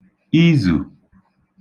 izụ̀